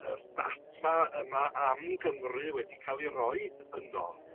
yr data yma am Gymru wedi ca'l 'i roid yno